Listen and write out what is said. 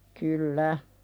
kyllä